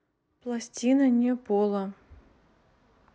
пластина не пола